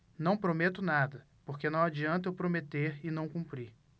não prometo nada porque não adianta eu prometer e não cumprir